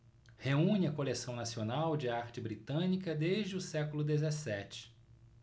reúne a coleção nacional de arte britânica desde o século dezessete